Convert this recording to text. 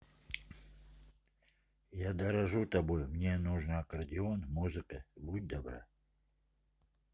я дорожу тобой мне нужно аккордеон музыка будь добра